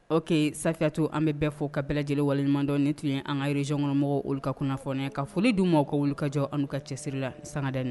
Ok Safiyatu an bɛɛ fɔ, ka bɛɛ lajɛlen waleɲuman dɔn. Ni tun ye an ka région kɔnɔ mɔgɔw olu kafɔnniya, ka foli d'i u ma .O ka wulikajɔ a n'u ka cɛsiri la san